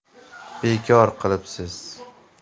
bekor qilibsiz